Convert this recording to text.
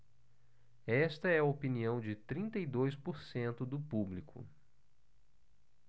esta é a opinião de trinta e dois por cento do público